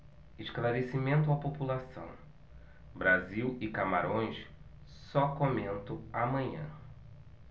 esclarecimento à população brasil e camarões só comento amanhã